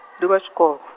ndi lwa tshikolo.